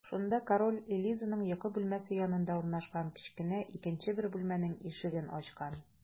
Шунда король Элизаның йокы бүлмәсе янында урнашкан кечкенә икенче бер бүлмәнең ишеген ачкан.